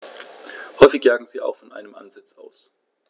Häufig jagen sie auch von einem Ansitz aus.